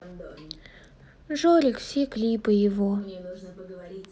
жорик все клипы его